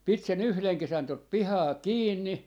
piti sen yhden kesän tuota pihaa kiinni